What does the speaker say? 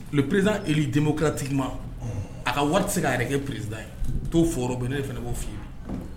Le président élu démocratiquement a ka wari tɛ se ka yɛrɛ kɛ président ye t'o fɔ yɔrɔ bɛ, ne de fana b'o f'i ye